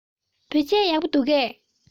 བོད ཆས ཡག པོ འདུག གས